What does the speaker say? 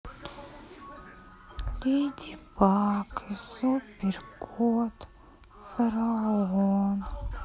леди баг и супер кот фараон